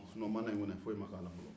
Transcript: sinɔn maana in kɔni foyi ma kɛ a la fɔlɔ